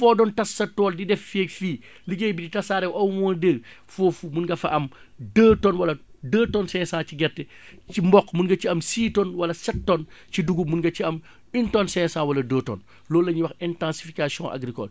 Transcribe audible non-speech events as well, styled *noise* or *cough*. foo doon tas sa tool di def fii ak fii liggéey bi tasaare wu *** foofu mën nga fa am deux tonnes wala deux tonnes cinq cent ci gerte *breath* ci mboq mën nga ci am six tonnes wala sept tonnes ci dugub mën nga ci am une tonne cinq cent wala deux tonnes loolu la ñuy wax intensification agricole